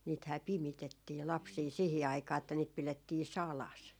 niitähän pimitettiin lapsia siihen aikaan että niitä pidettiin salassa